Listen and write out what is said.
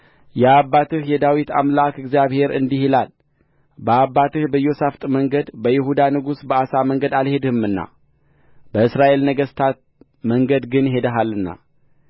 የአባትህ የዳዊት አምላክ እግዚአብሔር እንዲህ ይላል በአባትህ በኢዮሣፍጥ መንገድ በይሁዳም ንጉሥ በአሳ መንገድ አልሄድህምና በእስራኤል ነገሥታት መንገድ ግን ሄደሃልና